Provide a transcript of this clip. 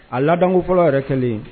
A ladako fɔlɔ yɛrɛ kɛlen